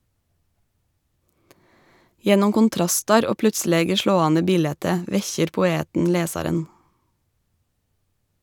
Gjennom kontrastar og plutselege slåande bilete vekkjer poeten lesaren.